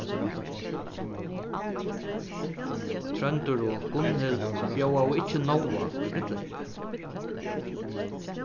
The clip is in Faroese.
tróndur og gunnhild bjóðaðu ikki nóa í brúdleypið